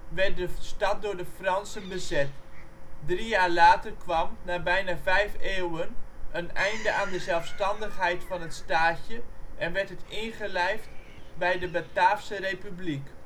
werd de stad door de Fransen bezet. Drie jaar later kwam, na bijna vijf eeuwen, een einde aan de zelfstandigheid van het staatje en werd het ingelijfd bij de Bataafse Republiek